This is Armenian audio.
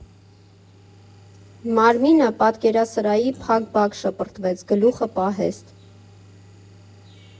Մարմինը պատկերասրահի փակ բակ շպրտվեց, գլուխը՝ պահեստ։